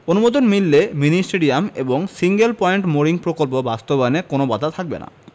অনুমোদন মিললে mini stadium এবং সিঙ্গেল পয়েন্ট মোরিং প্রকল্প বাস্তবায়নে কোনো বাধা থাকবে না